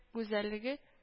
Гүзәллеге